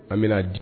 An bɛna di